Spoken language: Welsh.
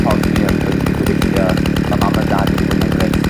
ffordd fi ymddwyn fi'n gobeithio ma' mam a dad wedi bo' yn enghraiff